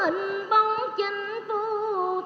hình bóng chinh phu theo gió